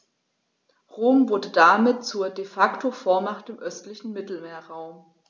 Rom wurde damit zur ‚De-Facto-Vormacht‘ im östlichen Mittelmeerraum.